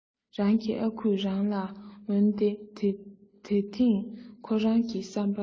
རང གི ཨ ཁུས རང ལ ན ཏེ ད ཐེངས ཁོ རང གི བསམ པ ལྟར